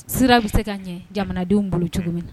Sira bɛ se ka ɲɛ jamanadenw bolo cogo min na.